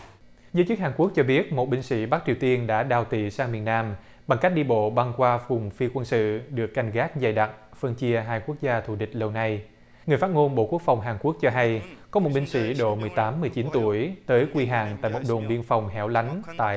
giới chức hàn quốc cho biết một binh sĩ bắc triều tiên đã đào tị sang miền nam bằng cách đi bộ băng qua vùng phi quân sự được canh gác dày đặc phân chia hai quốc gia thù địch lâu nay người phát ngôn bộ quốc phòng hàn quốc cho hay có một binh sĩ độ mười tám mười chín tuổi tới quy hàng tại một đồn biên phong hẻo lánh tại